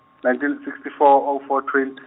ninteen sixty four O four twenty.